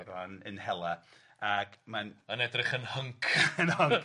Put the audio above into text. o ran, yn hela ac mae'n... Yn edrych yn hync!.. yn hync!